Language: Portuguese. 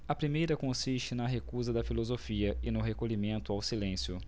a primeira consiste na recusa da filosofia e no recolhimento ao silêncio